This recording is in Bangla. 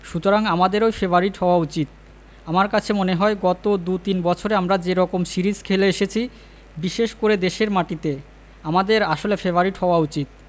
সুতরাং আমাদেরই ফেবারিট হওয়া উচিত আমার কাছে মনে হয় গত দু তিন বছরে আমরা যে রকম সিরিজ খেলে এসেছি বিশেষ করে দেশের মাটিতে আমাদের আসলে ফেবারিট হওয়া উচিত